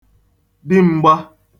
dim̄gba